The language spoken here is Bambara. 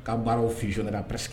Ka baaraw fusionner la presque